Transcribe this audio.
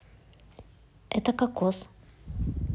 это кокос